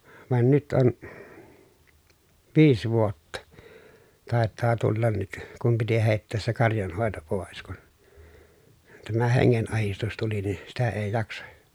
vaan nyt on viisi vuotta taitaa tulla nyt kun piti heittää se karjanhoito pois kun tämä hengenahdistus tuli niin sitä ei jaksa